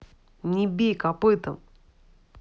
не бей копытом